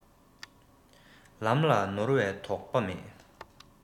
ལམ ལ ནོར བའི དོགས པ མེད